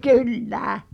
kyllä